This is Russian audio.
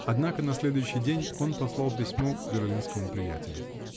Однако на следующий день он послал письмо к берлинскому приятелю.